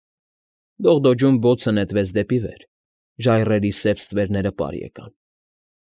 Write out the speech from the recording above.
Դողդոջուն բոցը նետվեց դեպի վեր, ժայռերի սև ստվերները պար եկան։